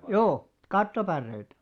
joo kattopäreitä